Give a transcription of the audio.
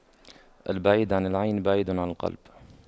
البعيد عن العين بعيد عن القلب